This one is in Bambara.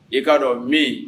I'a dɔn min